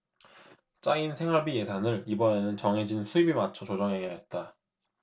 짜인 생활비 예산을 이번에는 정해진 수입에 맞춰 조정해야 했다